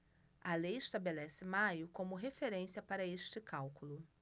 a lei estabelece maio como referência para este cálculo